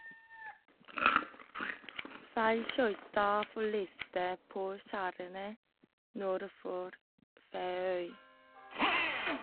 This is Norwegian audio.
Seilskøyta forliste på skjærene nord for Feøy.